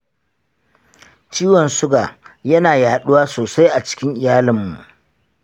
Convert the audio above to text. ciwon suga ya na yaɗuwa sosai a cikin iyalinmu.